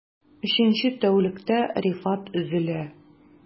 Өченче тәүлектә Рифат өзелә...